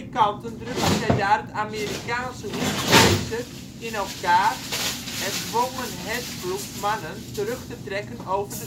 kanten drukten zij daar het Amerikaanse ' hoefijzer ' in elkaar en dwongen Hasbroucks mannen terug te trekken over